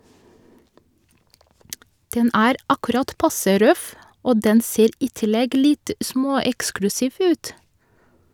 Den er akkurat passe røff , og den ser i tillegg litt småeksklusiv ut.